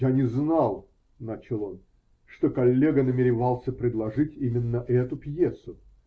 -- Я не знал, -- начал он, -- что коллега намеревался предложить именно эту пьесу.